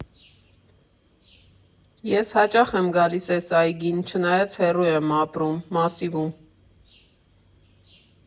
Ես հաճախ եմ գալիս էս այգին, չնայած հեռու եմ ապրում՝ Մասիվում։